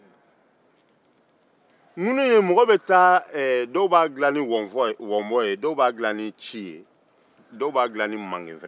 dow bɛ ŋunun dila ni ci ye dɔw b'a dila ni mangefɛrɛn dɔw b'a dila ni wɔnfɔ ye